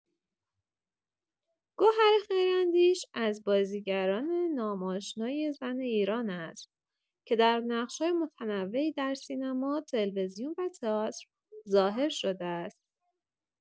گوهر خیراندیش از بازیگران نام‌آشنای زن ایران است که در نقش‌های متنوعی در سینما، تلویزیون و تئاتر ظاهر شده است.